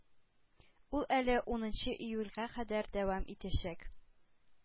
Ул әле унынчы июльгә кадәр дәвам итәчәк.